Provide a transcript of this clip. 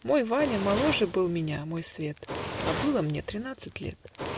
Мой Ваня Моложе был меня, мой свет, А было мне тринадцать лет.